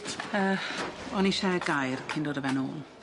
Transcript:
Yy o'n i isie gair cyn dod â fe nôl.